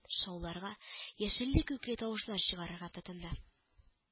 Шауларга, яшелле-күкле тавышлар чыгарырга тотынды